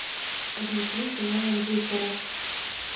объясни феномен джиттера